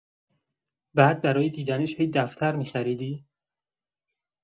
بعد برای دیدنش هی دفتر می‌خریدی؟